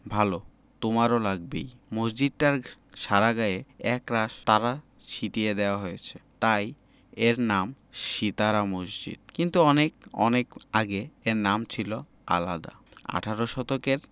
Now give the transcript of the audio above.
ভালো তোমার লাগবেই মসজিদটার সারা গায়ে একরাশ তারা ছিটিয়ে দেয়া হয়েছে তাই এর নাম সিতারা মসজিদ কিন্তু অনেক অনেক আগে এর নাম ছিল আলাদা আঠারো শতকের